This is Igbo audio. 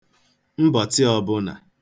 mbọ̀tsị ọ̄bụ̄nà